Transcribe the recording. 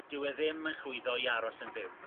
dyw e ddim yn llwyddo i aros yn fyw